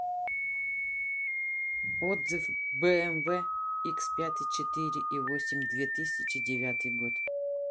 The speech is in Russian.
отзывы bmw x пятый четыре и восемь две тысячи девятый год